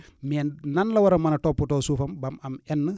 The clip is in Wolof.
mais nan la war a mën a toppatoo suufam ba mu am N